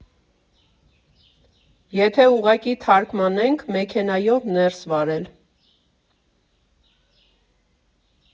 Եթե ուղղակի թարմգանենք՝ «մեքենայով ներս վարել»